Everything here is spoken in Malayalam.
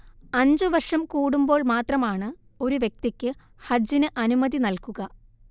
അഞ്ചു വർഷം കൂടുമ്പോൾ മാത്രമാണ് ഒരു വ്യക്തിക്ക് ഹജ്ജിനു അനുമതി നൽകുക